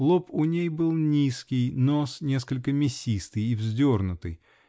Лоб у ней был низкий, нос несколько мясистый и вздернутый